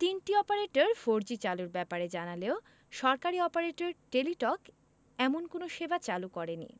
তিনটি operator four G চালুর ব্যাপারে জানালেও সরকারি অপারেটর টেলিটক এমন কোনো সেবা চালু করেনি